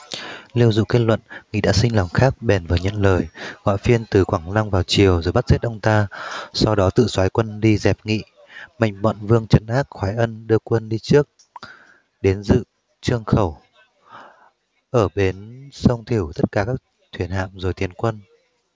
lưu dụ kết luận nghị đã sinh lòng khác bèn vờ nhận lời gọi phiên từ quảng lăng vào triều rồi bắt giết ông ta sau đó tự soái quân đi dẹp nghị mệnh bọn vương trấn ác khoái ân đưa quân đi trước đến dự chương khẩu ở bến sông thiêu hủy tất cả thuyền hạm rồi tiến quân